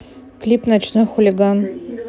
клип ночной хулиган